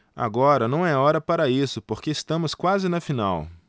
agora não é hora para isso porque estamos quase na final